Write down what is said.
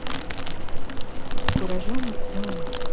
куражем и пьем